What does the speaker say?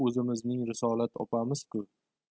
o'zimizning risolat opamiz ku